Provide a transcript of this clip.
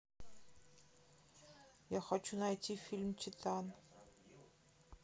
я хочу найти фильм титан